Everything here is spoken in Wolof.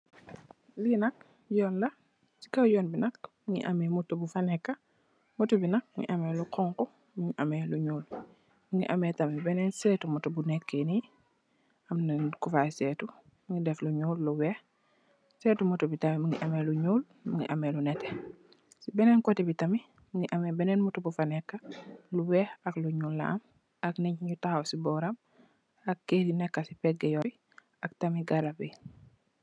Kii nak yoon la, si kow yoon wi, am na "motto" bu fa neeka, mu ngi amee lu ñuul, mu ngi amee tamit benen séétu motto bu nekkë nii, am na nit ku faay séétu, mu ngi def lu ñuul, lu weex. Seetu motto bi tam mu ngi def lu ñuul, mu ngi amee lu nétté. Si bénen kotte bi tamit, mu ngi am bénen motto bu fa neeka, lu weex ak lu ñuul la ak nit ñu axaw si bóoram, ak kér yu neeka si boori yoon wi, ak tam garab yi.